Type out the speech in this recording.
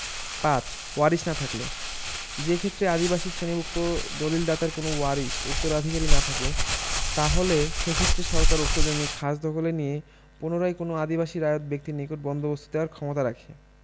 ৫ ওয়ারিশ না থাকলে যেক্ষেত্রে আদিবাসী শ্রেণীভুক্ত দলিদাতার কোনও ওয়ারিশ উত্তরাধিকারী না থাকে তাহলে সেক্ষেত্রে সরকার উক্ত জমি খাসদখলে নিয়ে পুনরায় কোনও আদিবাসী রায়ত ব্যক্তির নিকট বন্দোবস্ত দেয়ার ক্ষমতারাখে